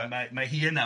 ond mae mae hi yna.